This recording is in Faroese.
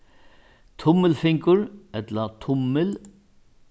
tummilfingur ella tummil